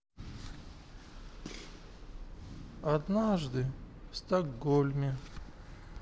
однажды в стокгольме